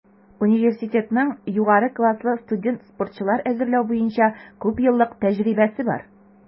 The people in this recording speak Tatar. Университетның югары класслы студент-спортчылар әзерләү буенча күпьеллык тәҗрибәсе бар.